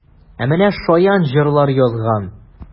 Ә менә шаян җырлар язган!